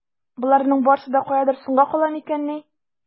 Боларның барсы да каядыр соңга кала микәнни?